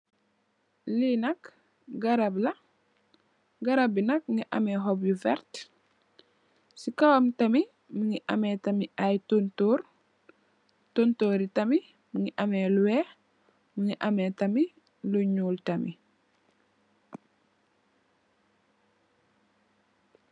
Li nak garab la garab bi nak mungi ameh hubyi verte kawam tamit mugi ameh tamit ai tontor, torntor ti tamit mungi ameh lu wheh mugi ameh tamit lu nyul tamit.